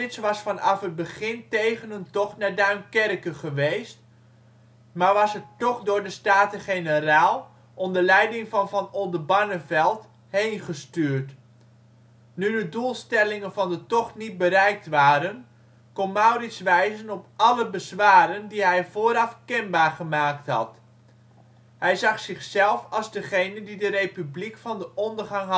was vanaf het begin tegen een tocht naar Duinkerke geweest, maar was er toch door de Staten-Generaal onder leiding van Van Oldenbarneveldt heen gestuurd. Nu de doelstellingen van de tocht niet bereikt waren, kon Maurits wijzen op alle bezwaren die hij vooraf kenbaar gemaakt had. Hij zag zichzelf als degene die de Republiek van de ondergang